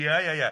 ia ia ia.